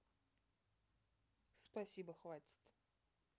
спасибо хватит